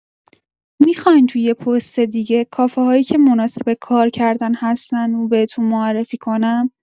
می‌خواین تو یه پست دیگه کافه‌هایی که مناسب کار کردن هستن بهتون معرفی کنم؟